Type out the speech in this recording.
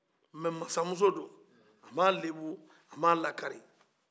nka masamuso don a ma a lebu a ma a lakari